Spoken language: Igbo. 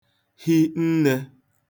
hi nnē